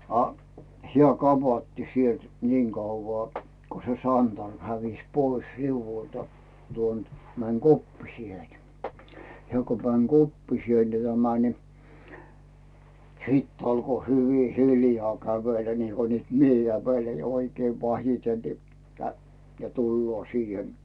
a hän kapatti sieltä niin kauan kun se santarmi hävisi pois riu'ulta tuon että meni koppiseen että hän kun meni koppiselle tämä niin sitten alkoi hyvin hiljaa kävellä niin kuin nyt minä ja kävelee oikein vasiten niin - ja tulee siihen